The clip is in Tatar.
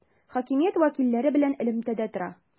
Хакимият вәкилләре белән элемтәдә тора.